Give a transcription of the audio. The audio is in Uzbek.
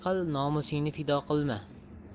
qil nomusingni fido qilma